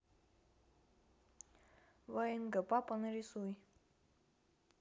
ваенга папа нарисуй